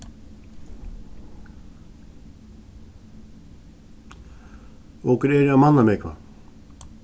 okur eru ein mannamúgva